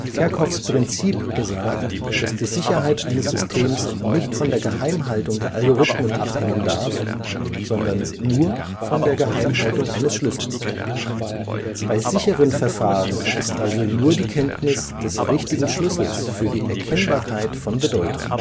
Kerckhoffs’ Prinzip besagt, dass die Sicherheit eines Systems nicht von der Geheimhaltung der Algorithmen abhängen darf, sondern nur von der Geheimhaltung eines Schlüssels. Bei sicheren Verfahren ist also nur die Kenntnis des richtigen Schlüssels für die Erkennbarkeit von Bedeutung